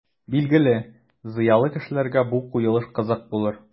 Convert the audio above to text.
Билгеле, зыялы кешеләргә бу куелыш кызык булыр.